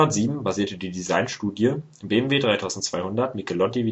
507 basierte die Design-Studie BMW 3200 Michelotti